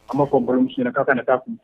An b maa fɔ baromusina' kana taa kun